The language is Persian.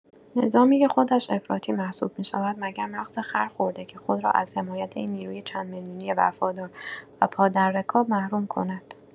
نظامی که خودش افراطی محسوب می‌شود مگر مغز خر خورده که خود را از حمایت این نیروی چند میلیونی وفادار و پا در رکاب محروم کند؟